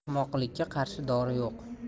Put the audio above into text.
ahmoqlikka qarshi dori yo'q